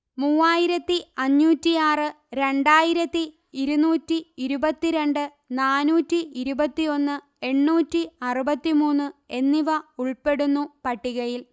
മൂവായിരത്തി അഞ്ഞൂറ്റിയാറ് രണ്ടായിരത്തി ഇരുന്നൂറ്റി ഇരുപത്തിരണ്ട് നാനൂറ്റി ഇരുപത്തിയൊന്ന് എണ്ണൂറ്റി അറുപത്തിമൂന്ന് എന്നിവ ഉൾപ്പെടുന്നു പട്ടികയിൽ